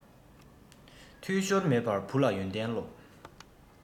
འཐུས ཤོར མེད པར བུ ལ ཡོན ཏན སློབས